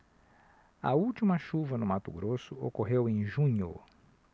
a última chuva no mato grosso ocorreu em junho